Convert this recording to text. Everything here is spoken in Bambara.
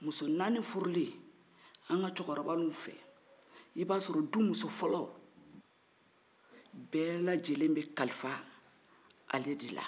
muso naani furuli an ka cɔkɔbalu fɛ ib'a sɔrɔ dumuso fɔlɔ bɛɛ lajɛlen bɛ kalifa ale de la